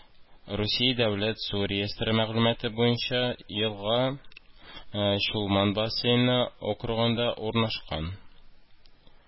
Русия дәүләт су реестры мәгълүматы буенча елга Чулман бассейн округында урнашкан